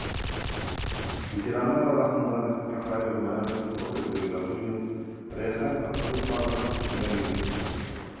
Ветераннар арасында Рафаэль Гомәров, Роберт Гыйздәтуллин, Рәйхан Асыловларга тиңнәр юк иде.